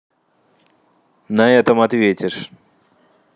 на этом ответишь